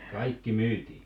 kaikki myytiin